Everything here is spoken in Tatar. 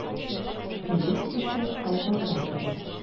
Сигез кеше колхозга керә.